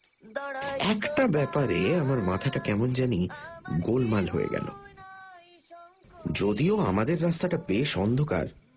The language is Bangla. একটা ব্যাপারে আমার মাথাটা কেমন জানি গোলমাল হয়ে গেল যদিও আমাদের রাস্তাটা বেশ অন্ধকার